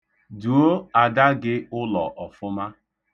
Duo Ada gị ụlọ ọfụma.